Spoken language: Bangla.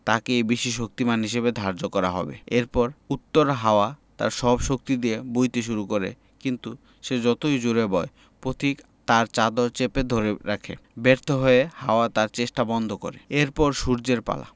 তাকেই বেশি শক্তিমান হিসেবে ধার্য করা হবে এরপর উত্তর হাওয়া তার সব শক্তি দিয়ে বইতে শুরু করে কিন্তু সে যতই জোড়ে বয় পথিক তার চাদর চেপে ধরে রাখে ব্যর্থ হয়ে হাওয়া তার চেষ্টা বন্ধ করে এর পর সূর্যের পালা